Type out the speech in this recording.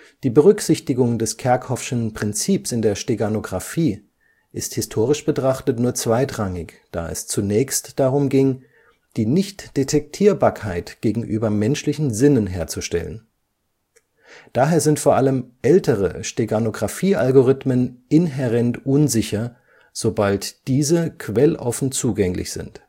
Die Berücksichtigung des kerckhoffsschen Prinzips in der Steganographie ist historisch betrachtet nur zweitrangig, da es zunächst darum ging, die Nichtdetektierbarkeit gegenüber menschlichen Sinnen herzustellen. Daher sind vor allem ältere Steganographiealgorithmen inhärent unsicher, sobald diese quelloffen zugänglich sind